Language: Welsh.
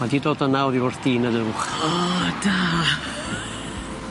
Ma' 'di dod yna oddi wrth dyn y fuwch. O da.